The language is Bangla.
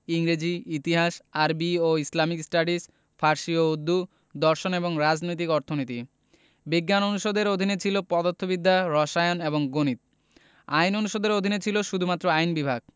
ইংরেজি ইতিহাস আরবি ও ইসলামিক স্টাডিজ ফার্সি ও উর্দু দর্শন এবং রাজনৈতিক অর্থনীতি বিজ্ঞান অনুষদের অধীনে ছিল পদার্থবিদ্যা রসায়ন এবং গণিত আইন অনুষদের অধীনে ছিল শুধুমাত্র আইন বিভাগ